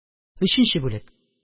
Өченче бүлек